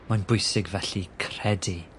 Mae'n bwysig felly credu